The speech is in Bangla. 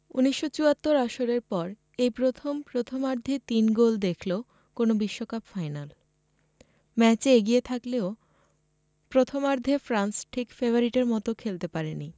১৯৭৪ আসরের পর এই প্রথম প্রথমার্ধে তিন গোল দেখল কোনো বিশ্বকাপ ফাইনাল ম্যাচে এগিয়ে থাকলেও প্রথমার্ধে ফ্রান্স ঠিক ফেভারিটের মতো খেলতে পারেনি